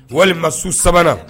Walima ma su sabanan